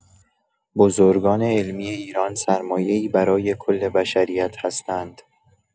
بزرگان علمی ایران سرمایه‌ای برای کل بشریت هستند.